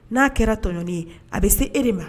N'a kɛra tɔɲɔni ye a bɛ se e de ma.